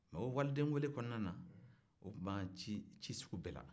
mɛ o waliden wele kɔnɔna na u tun b'an ci ci sugu bɛɛ la